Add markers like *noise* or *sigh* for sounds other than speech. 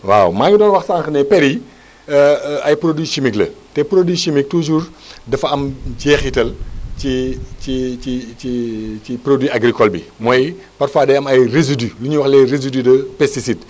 waaw maa ngi doon wax sànq ne per yi *breath* *hesitation* ay produits chimiques la te produit chimique toyjours *breath* dafa am jeexital ci ci ci ci ci produit agricole bi mooy parfois day am ay résidus li ñuy wax les eésidus de pesticide